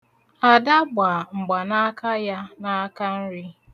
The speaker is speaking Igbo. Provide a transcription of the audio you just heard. Ada gba mgbanaaka ya n'akanri.